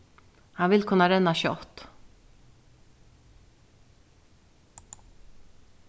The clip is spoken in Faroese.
hann vil kunna renna skjótt